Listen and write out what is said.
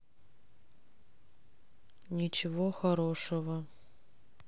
ничего хорошего